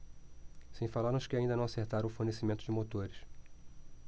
sem falar nos que ainda não acertaram o fornecimento de motores